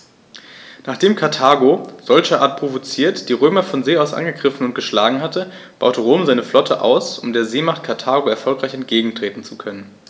Nachdem Karthago, solcherart provoziert, die Römer von See aus angegriffen und geschlagen hatte, baute Rom seine Flotte aus, um der Seemacht Karthago erfolgreich entgegentreten zu können.